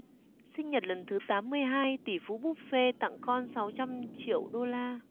sinh nhật lần thứ tám mươi hai tỷ phú buffett tặng con sáu trăm triệu đô la